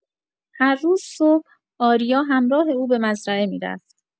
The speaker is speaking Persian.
هر روز صبح آریا همراه او به مزرعه می‌رفت.